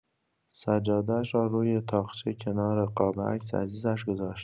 سجاده‌اش را روی طاقچه کنار قاب عکس عزیزش گذاشت.